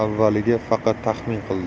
avvaliga faqat taxmin qildi